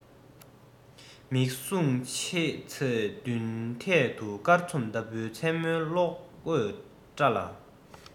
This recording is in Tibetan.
མིག ཟུང ཕྱེ ཚེ མདུན ཐད དུ སྐར ཚོམ ལྟ བུའི མཚན མོའི གློག འོད བཀྲ ལ